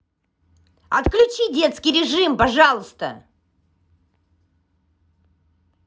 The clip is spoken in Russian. отключи детский режим пожалуйста